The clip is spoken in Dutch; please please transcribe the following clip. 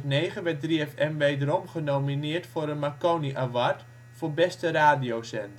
2009 werd 3FM wederom genomineerd voor een Marconi Award voor beste radiozender